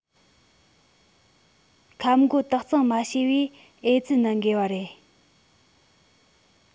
ཁབ མགོ དག གཙང མ བྱས པས ཨེ ཙི ནད འགོས པ རེད